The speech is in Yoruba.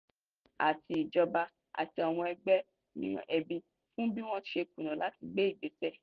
Àwọn àìbalẹ̀-ọkàn túbọ̀ ń yíká orílẹ̀-èdè Cambodia ní èyí tí ó ṣe pé ó fèrẹ́ tó 500,000 àwọn ọmọdé ni wọ́n yóò bẹ̀rẹ̀ sí ní pàdánù oúnjẹ jíjẹ látàrí ìgbówólórí 20% owó ìrẹsì.